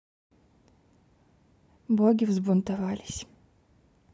боги взбунтовались